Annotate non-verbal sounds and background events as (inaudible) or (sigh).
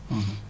(hesitation) (hesitation)